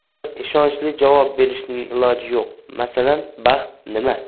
axir ishonchli javob berishning iloji yo'q masalan baxt nima